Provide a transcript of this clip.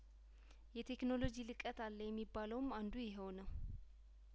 የቴክኖሎጂ ልቀት አለየሚባለውም አንዱ ይኸው ነው